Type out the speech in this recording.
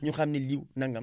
ñu xam ne lii nangam